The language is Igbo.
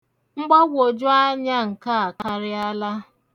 Mgbagwoju anya nke a akarịala.